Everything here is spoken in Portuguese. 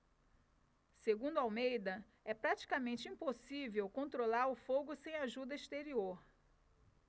segundo almeida é praticamente impossível controlar o fogo sem ajuda exterior